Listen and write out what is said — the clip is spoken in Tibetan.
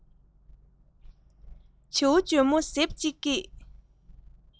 བྱིའུ འཇོལ མོ གཟེབ ཅིག གི